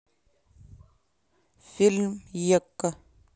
фильмы екко